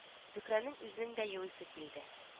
Зөһрәнең үзенең дә елыйсы килде